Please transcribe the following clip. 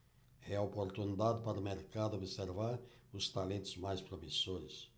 é a oportunidade para o mercado observar os talentos mais promissores